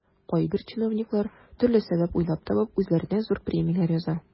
Кайбер чиновниклар, төрле сәбәп уйлап табып, үзләренә зур премияләр яза.